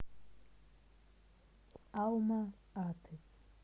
алма аты